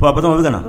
kuma bɛ ka